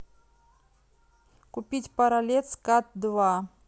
купить паралет скат два